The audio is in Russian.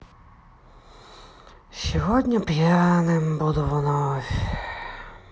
сегодня пьяным буду вновь